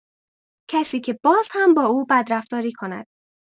کسی که باز هم با او بدرفتاری کند.